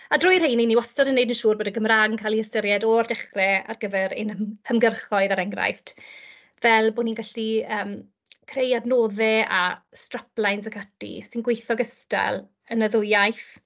A drwy'r rhein, 'y ni wastad yn neud yn siŵr bod y Gymraeg yn cael ei ystyried o'r dechre ar gyfer ein hym- hymgyrchoedd er enghraifft, fel bod ni'n gallu yym creu adnodde a straplines ac ati sy'n gweithio gystal yn y ddwy iaith.